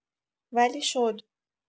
ولی شد